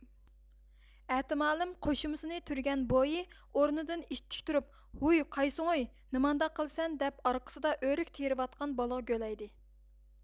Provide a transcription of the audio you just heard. ئەتىمالىم قوشۇمىسىنى تۈرگەن بويى ئورنىدىن ئىتتىك تۇرۇپ ھۇي قايسىڭۇي نېمانداق قىلىسەن دەپ ئارقىسدا ئۆرۈك تېرىۋاتقان بالىغا گۆلەيدى